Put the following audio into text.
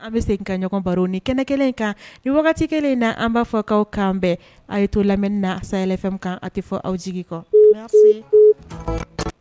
An bɛ se ka ɲɔgɔn baro ni kɛnɛ kelen kan ni wagati kelen in na an b'a fɔ' kanan bɛɛ a ye too lamɛnni na sayayfɛnw kan a tɛ fɔ aw jigi kɔ